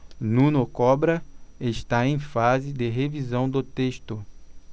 nuno cobra está em fase de revisão do texto